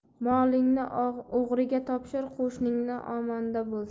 molingni o'g'riga topshir qo'shning omonda bo'lsin